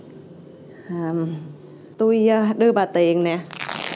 tui đưa bà tiền nè